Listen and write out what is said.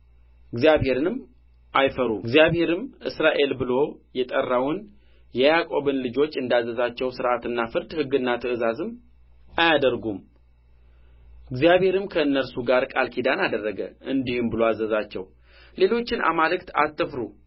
እግዚአብሔርንም አይፈሩም እግዚአብሔርም እስራኤል ብሎ የጠራውን የያዕቆብን ልጆች እንዳዘዛቸው ሥርዓትና ፍርድ ሕግና ትእዛዝም አያደርጉም እግዚአብሔርም ከእነርሱ ጋር ቃል ኪዳን አደረገ እንዲህም ብሎ አዘዛቸው ሌሎችን አማልክት አትፍሩ